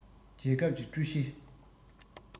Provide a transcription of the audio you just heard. རྒྱལ ཁབ ཀྱི ཀྲུའུ ཞི